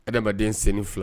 Adamadamaden sen fila